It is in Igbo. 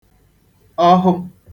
ọhụ